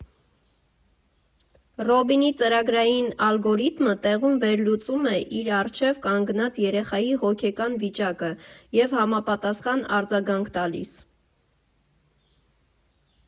Ռոբինի ծրագրային ալգորիթմը տեղում վերլուծում է իր առջև կանգնած երեխայի հոգեկան վիճակը և համապատասխան արձագանք տալիս։